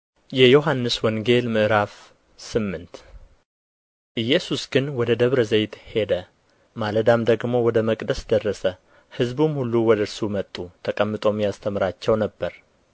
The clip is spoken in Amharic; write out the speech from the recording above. የዮሐንስ ወንጌል ምዕራፍ ስምንት ኢየሱስ ግን ወደ ደብረ ዘይት ሄደ ማለዳም ደግሞ ወደ መቅደስ ደረሰ ሕዝቡም ሁሉ ወደ እርሱ መጡ ተቀምጦም ያስተምራቸው ነበር